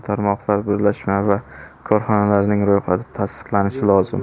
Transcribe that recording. tarmoqlar birlashma va korxonalarning ro'yxati tasdiqlanishi lozim